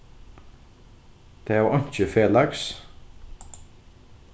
tey hava einki felags